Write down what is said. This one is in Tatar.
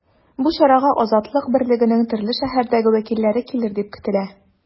Бу чарага “Азатлык” берлегенең төрле шәһәрдәге вәкилләре килер дип көтелә.